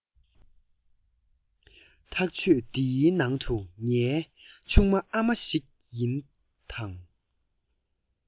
ཐག གཅོད འདིའི ནང དུ ངའི ཆུང མ ཨ མ ཞིག ཡིན པའི